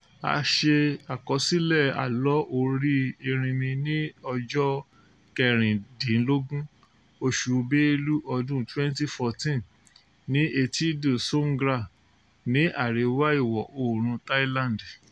A ṣe àkọsílẹ̀ àlọ́ Orí Erinmi ní ọjọ́ 16, oṣù Belu, ọdún 2014, ní etídò Songkran ní àríwá-ìwọ̀-oòrùn Thailand.